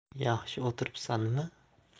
yaxshi o'tiribsanmi